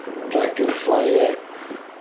Dragon Flyer.